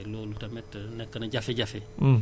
te loolu tamit nekk na jafe-jafe